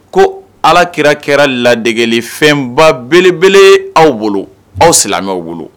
Ko alakira kɛra ladegeli fɛnba belebele ye aw bolo, aw silamɛw bolo.